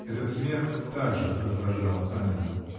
Этот смех также раздражал Санина.